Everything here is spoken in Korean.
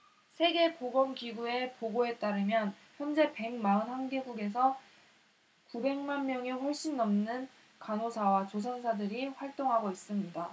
세계 보건 기구의 보고에 따르면 현재 백 마흔 한 개국에서 구백 만 명이 훨씬 넘는 간호사와 조산사들이 활동하고 있습니다